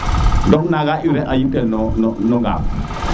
donc na nga urée a yip tel no no ŋaf